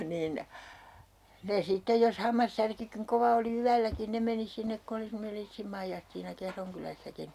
niin ne sitten jos hammassärkykin kova oli yölläkin ne meni sinne kun oli semmoinen Liitsin Maijastiina Kehron kylässäkin